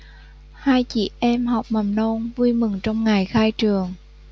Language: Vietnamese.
hai chị em học mầm non vui mừng trong ngày khai trường